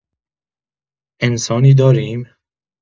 انسانی داریم؟